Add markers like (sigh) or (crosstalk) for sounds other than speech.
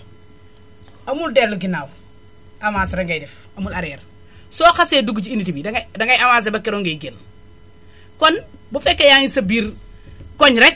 amul dellu ginnaaw avance rekk (noise) ngay def amul arrieère soo xasee dugg ci unité bi dangay dangay avancé ba keroog ngay génn kon bu fekkee yaa ngi sa biir (noise) koñ rekk